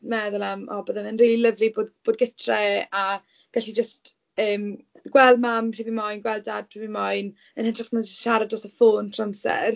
Meddwl am "o byddai fe'n rili lyfli i bod bod gytre, a gallu jyst yy gweld mam pryd fi moyn, gweld dad pryd fi moyn, yn hytrach na siarad dros y ffôn trwy'r amser".